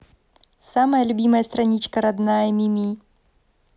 самая любимая страничка родная мими